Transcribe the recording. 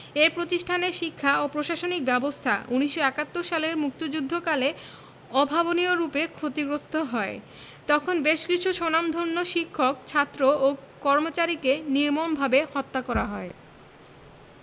এ প্রতিষ্ঠানের শিক্ষা ও প্রশাসনিক ব্যবস্থা ১৯৭১ সালের মুক্তিযুদ্ধকালে অভাবনীয়রূপে ক্ষতিগ্রস্ত হয় তখন বেশ কিছু স্বনামধন্য শিক্ষক ছাত্র ও কর্মচারীকে নির্মমভাবে হত্যা করা হয়